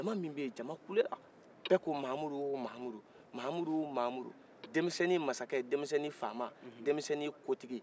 jama min beye jama kulela bɛɛ ko mamudu wo mamudu mamudu wo mamudu dɛmisɛnin masakɛ dɛmisɛnin faama dɛmisɛnin ko tigi